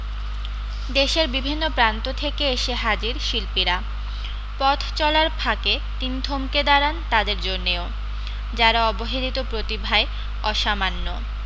দেশের বিভিন্ন প্রান্ত থেকে এসে হাজির শিল্পীরা পথ চলার ফাঁকে তিনি থমকে দাঁড়ান তাদের জন্যেও যারা অবহেলিত প্রতিভায় অসামান্য